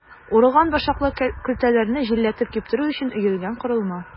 Урылган башаклы көлтәләрне җилләтеп киптерү өчен өелгән корылма.